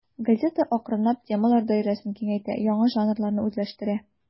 Газета акрынлап темалар даирәсен киңәйтә, яңа жанрларны үзләштерә.